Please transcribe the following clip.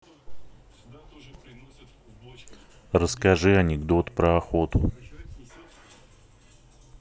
расскажи анекдот про охоту